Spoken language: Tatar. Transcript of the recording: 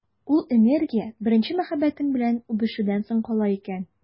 Ул энергия беренче мәхәббәтең белән үбешүдән соң кала икән.